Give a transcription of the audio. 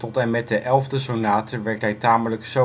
tot en met de 11e sonate werkt hij tamelijk